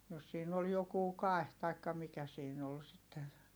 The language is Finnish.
jos siinä oli joku kaihi tai mikä siinä oli sitten